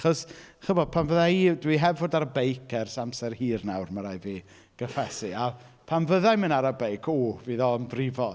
Achos chimod, pan fydda i... dwi heb fod ar y beic ers amser hir nawr, mae'n rhaid fi gyffesu, a pan fyddai'n mynd ar y beic, ww, fydd o'n brifo.